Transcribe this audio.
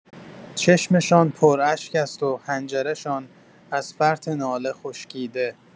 چشمشان پراشک است و حنجره‌شان از فرط ناله خشکیده.